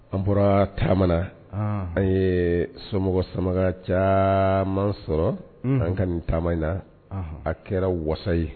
An bɔra taama an ye somɔgɔw sama caman sɔrɔ an ka nin taama in na a kɛra wasa ye